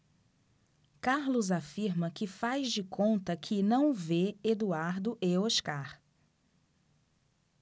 carlos afirma que faz de conta que não vê eduardo e oscar